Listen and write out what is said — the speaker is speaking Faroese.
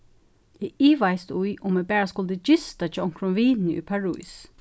eg ivaðist í um eg bara skuldi gista hjá onkrum vini í parís